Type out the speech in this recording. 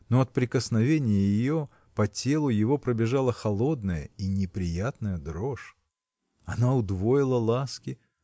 но от прикосновения ее по телу его пробежала холодная и неприятная дрожь. Она удвоила ласки.